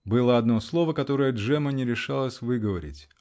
Было одно слово, которое Джемма не решалась выговорить.